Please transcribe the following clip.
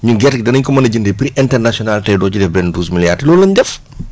ñun gerte gi danañ ko mën a jëndee prix international te yow doo ci def benn douze milliards te loolu la ñu def